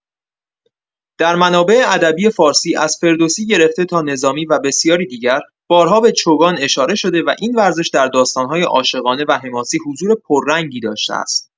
در منابع ادبی فارسی، از فردوسی گرفته تا نظامی و بسیاری دیگر، بارها به چوگان اشاره شده و این ورزش در داستان‌های عاشقانه و حماسی حضور پررنگی داشته است.